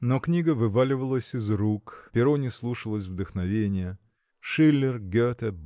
Но книга вываливалась из рук, перо не слушалось вдохновения. Шиллер Гете